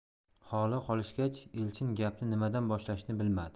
holi qolishgach elchin gapni nimadan boshlashni bilmadi